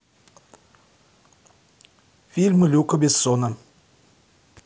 фильмы люка бессона